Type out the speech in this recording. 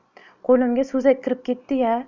qo'limga so'zak kirib ketdi ya